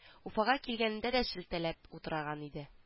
Уфага килгәнендә дә шелтәләп утыраган иде